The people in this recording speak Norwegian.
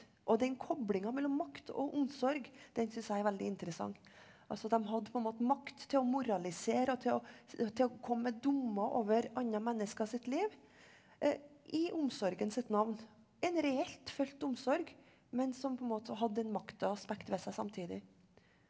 og den koblinga mellom makt og omsorg den synes jeg er veldig interessant, altså dem hadde på en måte makt til å moralisere og til å til å komme med dommer over andre mennesker sitt liv i omsorgen sitt navn en reelt følt omsorg men som på en måte hadde den maktaspektet ved seg samtidig.